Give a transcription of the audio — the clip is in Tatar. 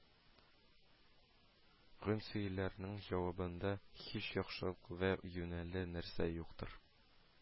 Ган сөальләреңнең җавабында һич яхшылык вә юньле нәрсә юктыр